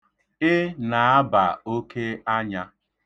Ị na-aba oke anya.